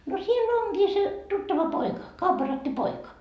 no siellä onkin se tuttava poika kaupparatti poika